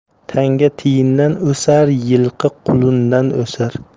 tanga tiyindan o'sar yilqi qulundan o'sar